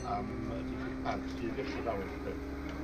am y diffyg parch sydd i'r Llydaweg 'de.